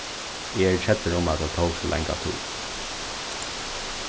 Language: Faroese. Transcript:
eg eri keddur um at tað tók so langa tíð